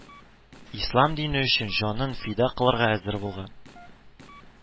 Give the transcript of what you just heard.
Ислам дине өчен җанын фида кылырга әзер булган